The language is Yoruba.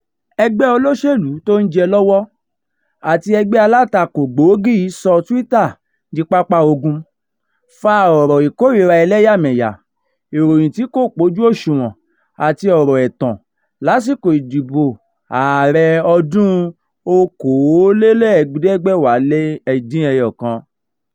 Ẹgbẹ́ olóṣèlúu tí ó ń jẹ lọ́wọ́ àti ẹgbẹ́ alátakò gbòógì sọ Twitter di pápá ogun fa ọ̀rọ̀ ìkórìíra ẹlẹ́yàmẹ́lẹ́yá, ìròyìn tí kò pójú òṣùwọ̀n àti ọ̀rọ̀ ẹ̀tàn lásìkò ìdìbò ààrẹ ọdún-un 2019.